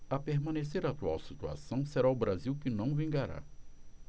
a permanecer a atual situação será o brasil que não vingará